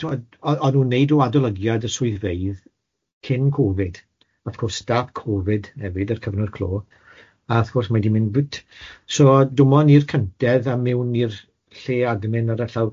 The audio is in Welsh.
ti'bod o- o'n nw'n neud adolygiad y swyddfeydd cyn Covid, wrth gwrs da'th Covid hefyd a'r cyfnod clo, a wrth gwrs mae 'di mynd boot, so dim ond i'r cyntedd a mewn i'r lle admin ar y llawr